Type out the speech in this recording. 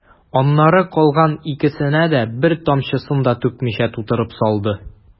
Аннары калган икесенә дә, бер тамчысын да түкмичә, тутырып салды.